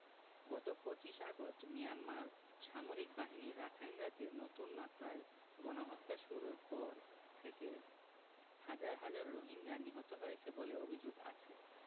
গত ২৫ August Myanmar সামরিক বাহিনী রাখাইন রাজ্যে নতুন মাত্রায় গণহত্যা শুরুর পর থেকে হাজার হাজার রোহিঙ্গা নিহত হয়েছে বলে অভিযোগ আছে